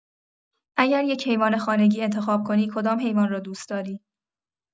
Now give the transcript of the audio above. اگر یک حیوان خانگی انتخاب کنی کدام حیوان را دوست‌داری؟